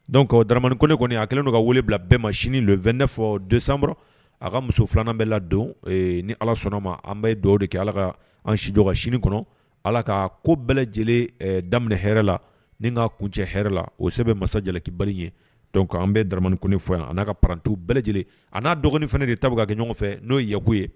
Dɔnkumani kɔni kɔni a kɛlen don ka wele bila bɛɛ ma siniinin don2fɔ donsan a ka muso filanan bɛɛ la don ni ala sɔnna ma an bɛ dɔw de kɛ ala ka an sijɔka sini kɔnɔ ala ka ko bɛɛ lajɛlen daminɛ h la ni ka kuncɛ hɛrɛla o se bɛ masajanki bali ye an bɛmani fɔ yan n'a ka panranti bɛɛ lajɛlen a n'a dɔgɔnin fana de tabi ka kɛ ɲɔgɔn fɛ n'o yeko ye